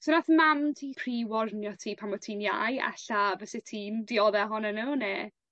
so nath mam ti pre-warnio ti pan o' ti'n iau 'alla' fyset ti'n diodde ohono n'w ne'...